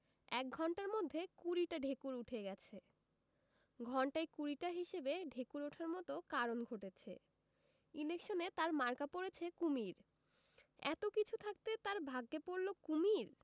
এক ঘণ্টার মধ্যে কুড়িটা ঢেকুর ওঠে গেছে ঘণ্টায় কুড়িটা হিসেবে ঢেকুর ওঠার মত কারণ ঘটেছে ইলেকশনে তাঁর মার্কা পড়েছে কুমীর এত কিছু থাকতে তাঁর ভাগ্যে পড়ল কুমীর